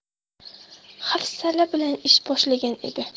hafsala bilan ish boshlagan edi